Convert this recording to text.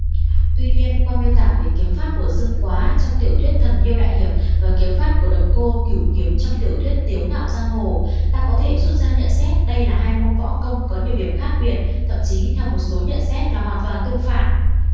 tuy nhiên qua miêu tả về kiếm pháp của dương quá trong tiểu thuyết thần điêu đại hiệp và kiếm pháp của độc cô cửu kiếm trong tiểu thuyết tiếu ngạo giang hồ ta có thể rút ra nhận xét đây là hai môn võ công có nhiều điểm khác biệt thậm chí theo một số nhận xét là hoàn toàn tương phản